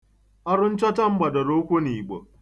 Ọrụ nchọcha m gbadoro ụkwụ n'Igbo.